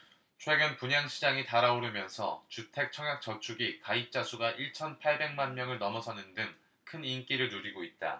최근 분양시장이 달아오르면서 주택청약저축이 가입자수가 일 천 팔백 만명을 넘어서는 등 큰 인기를 누리고 있다